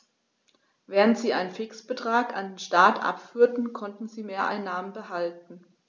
Während sie einen Fixbetrag an den Staat abführten, konnten sie Mehreinnahmen behalten.